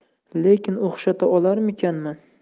lekin o'xshata olarmikinman